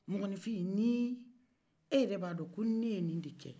mɔgɔninfin ni e yɛrɛ b'a dɔn ko ni ne ye nin de kɛ